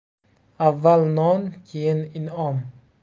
avval non keyin in'om